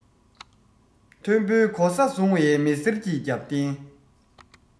མཐོན པོའི གོ ས བཟུང བའི མི སེར གྱི རྒྱབ རྟེན